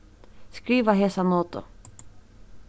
skriva hesa notu